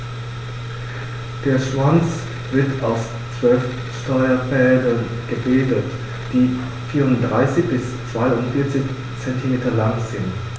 Der Schwanz wird aus 12 Steuerfedern gebildet, die 34 bis 42 cm lang sind.